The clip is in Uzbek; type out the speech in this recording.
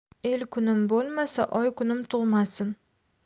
el kunim bo'lmasa oy kunim tug'masin